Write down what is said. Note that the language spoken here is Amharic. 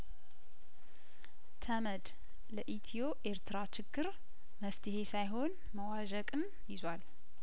ተመድ ለኢትዮ ኤርትራ ችግር መፍትሄ ሳይሆን መዋዠቅን ይዟል